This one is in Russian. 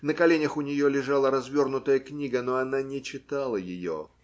На коленях у нее лежала развернутая книга, но она не читала ее.